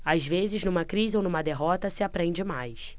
às vezes numa crise ou numa derrota se aprende mais